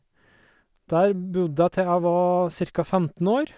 Der bodde jeg til jeg var cirka femten år.